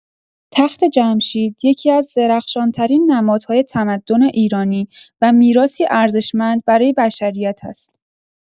تخت‌جمشید یکی‌از درخشان‌ترین نمادهای تمدن ایرانی و میراثی ارزشمند برای بشریت است.